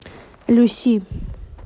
люси